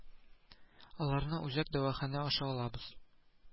Аларны үзәк дәваханә аша алабыз